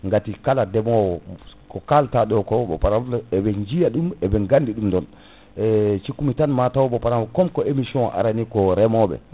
gati kala ndeemowo ko kaltaɗa ɗo ko ba * eɓe jiiya ɗum eɓe gandi ɗum ɗon cikkumi tan mataw ba * comme que émission arani ko reemoɓe